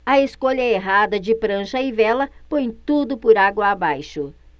a escolha errada de prancha e vela põe tudo por água abaixo